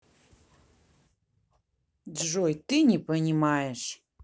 джой ты не понимаешь